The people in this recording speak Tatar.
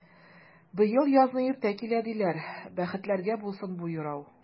Быел язны иртә килә, диләр, бәхетләргә булсын бу юрау!